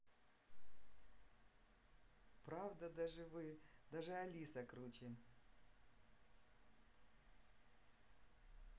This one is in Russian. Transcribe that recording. правда даже вы даже alisa круче